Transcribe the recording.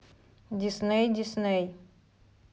дисней дисней